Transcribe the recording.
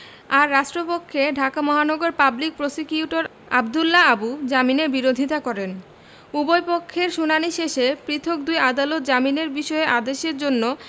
আর রাষ্ট্রপক্ষে ঢাকা মহানগর public prosecutor Abdullah Abu জামিনের বিরোধিতা করেন উভয়পক্ষের শুনানি শেষে পৃথক দুই আদালত জামিনের বিষয়ে আদেশের জন্য